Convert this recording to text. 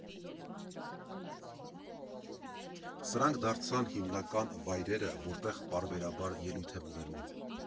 Սրանք դարձան հիմնական վայրերը, որտեղ պարբերաբար ելույթ եմ ունենում։